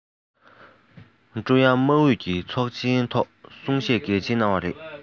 ཀྲུང དབྱང དམག ཨུད ཀྱི ཚོགས ཆེན ཐོག གསུང བཤད གལ ཆེན གནང བ རེད